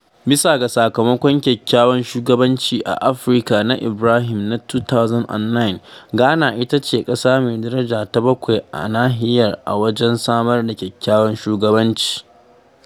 Bisa ga Sakamakon Kyakkyawan Shugabanci a Afirka na Ibrahim na 2009, Ghana ita ce ƙasa mai daraja ta bakwai a nahiyar a wajen samar da kyakkyawan shugabanci.